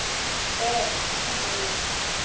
э ну блин